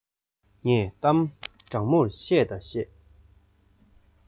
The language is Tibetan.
ངས གཏམ དྲང མོར བཤད ད བཤད